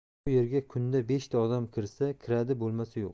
bu yerga kunda beshta odam kirsa kiradi bo'lmasa yo'q